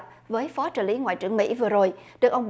ngoại trưởng mỹ vừa rồi